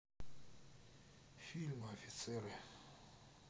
фильм офицеры